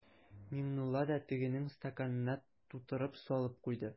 Миңнулла да тегенең стаканына тутырып салып куйды.